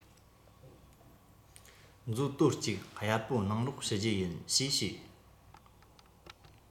མཛོ དོར གཅིག གཡར པོ གནང རོགས ཞུ རྒྱུ ཡིན ཞེས ཞུས